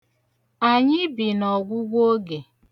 Anyị bi n'ọgwụgwụ oge.